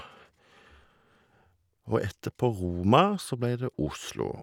Og etterpå Roma så blei det Oslo.